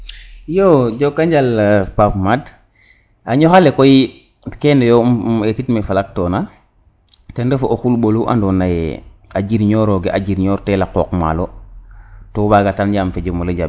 iyo joko njal Pape made a ñoxale koy kene yo im etit me falaq tona ten refu o xurmbalu ando naye a jirñoroge a jirñortel a qoq maalo to wagatan yam fojemole jambin